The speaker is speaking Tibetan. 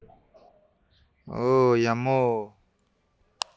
བཞུགས དགོས རྗེས སུ མཇལ ཡོང